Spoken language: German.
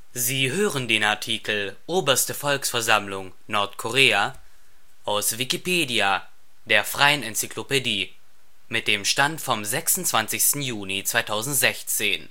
Sie hören den Artikel Oberste Volksversammlung (Nordkorea), aus Wikipedia, der freien Enzyklopädie. Mit dem Stand vom Der